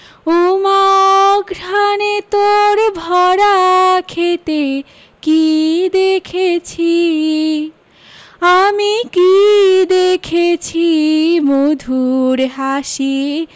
ওমা অঘ্রানে তোর ভরা ক্ষেতে কী দেখসি আমি কী দেখেছি মধুর হাসি